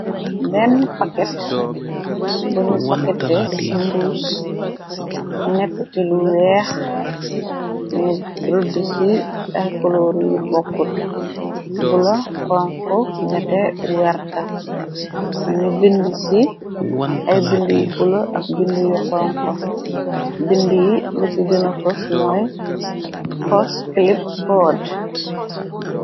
Benne paket buñu pakete simbus nekk ci lu weex ñu rëdd ci ay koloriy bokkut bu la kongko nete werta ñu bind ci ay bind yu bula ak bind yu xonko bindi yi lu ci gëna fos mooy hosclip bord.